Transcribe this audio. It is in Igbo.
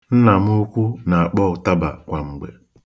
Nna m ukwu na-akpọ ụtaba kwa mgbe.